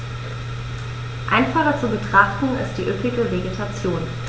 Einfacher zu betrachten ist die üppige Vegetation.